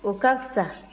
o ka fisa